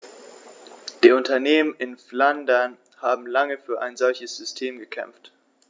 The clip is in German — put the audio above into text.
Die Unternehmen in Flandern haben lange für ein solches System gekämpft.